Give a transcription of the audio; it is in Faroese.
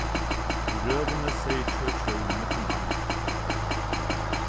í røðuni segði churchill millum annað